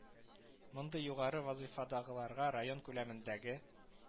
Мондый югары вазыйфадагыларга район күләмендәге